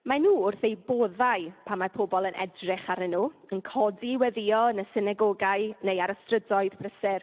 Maen nhw wrth eu boddau pan mae pobl yn edrych arnyn nhw, yn codi i weddïo yn y synagogau neu ar y strydoedd prysur.